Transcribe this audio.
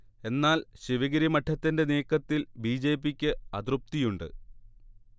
എന്നാൽ ശിവഗിരി മഠത്തിന്റെ നീക്കത്തിൽ ബിജെപിക്ക് അതൃപ്തിയുണ്ട്